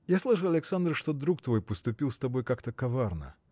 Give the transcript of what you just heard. – Я слышал, Александр, что друг твой поступил с тобой как-то коварно?